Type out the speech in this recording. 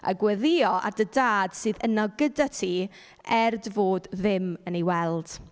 A gweddïo ar dy dad sydd yno gyda ti, er dy fod ddim yn ei weld.